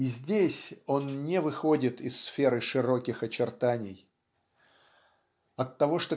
и здесь он не выходит из сферы широких очертаний. Оттого